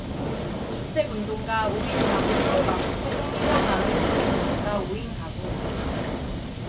주택운동가 오 인가구서울 마포구 성미산 마을 주택운동가 오 인가구